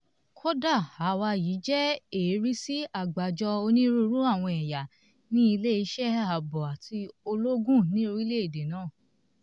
Kódà àwa yìí jẹ́ ẹ̀rí sí àgbájọ onírúurú àwọn ẹ̀yà ní ilé-iṣẹ́ ààbò àti ológun ní orílẹ̀-èdè náà.